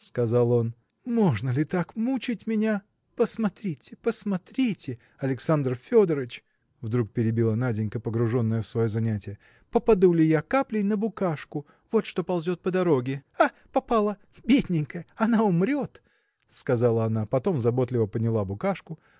– сказал он, – можно ли так мучить меня? – Посмотрите посмотрите Александр Федорыч – вдруг перебила Наденька погруженная в свое занятие – попаду ли я каплей на букашку вот что ползет по дорожке?. Ах, попала! бедненькая! она умрет! – сказала она потом заботливо подняла букашку